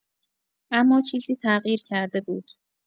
اما چیزی تغییر کرده بود.